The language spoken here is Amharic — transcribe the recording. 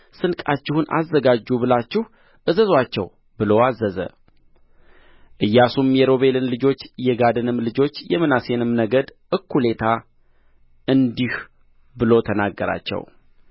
ስንቃችሁን አዘጋጁ ብላችሁ እዘዙአቸው ብሎ አዘዘ ኢያሱም የሮቤልን ልጆች የጋድንም ልጆች የምናሴንም ነገድ እኩሌታ እንዲህ ብሎ ተናገራቸው